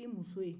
i muso ye